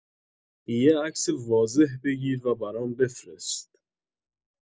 یه عکس واضح بگیر و برام بفرست